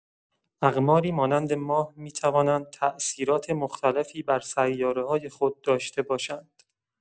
اقماری مانند ماه می‌توانند تاثیرات مختلفی بر سیاره‌های خود داشته باشند.